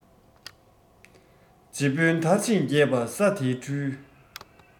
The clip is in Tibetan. རྗེ དཔོན དར ཞིང རྒྱས པ ས སྡེའི འཕྲུལ